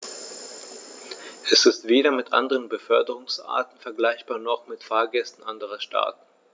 Er ist weder mit anderen Beförderungsarten vergleichbar, noch mit Fahrgästen anderer Staaten.